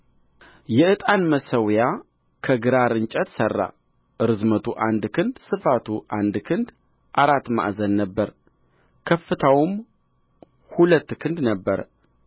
የዕጣን መሠዊያ ከግራር እንጨት ሠራ ርዝመቱ አንድ ክንድ ስፋቱ አንድ ክንድ አራት ማዕዘን ነበረ ከፍታውም ሁለት ክንድ ነበረ